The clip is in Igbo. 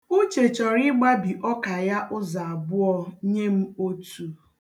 Uche chọrọ ịgbabi ọka ya ụzọ abụọ ma nye m otu.